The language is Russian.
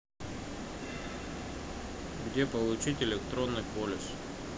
где получить электронный полис